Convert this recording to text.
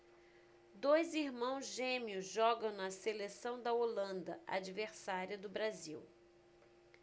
dois irmãos gêmeos jogam na seleção da holanda adversária do brasil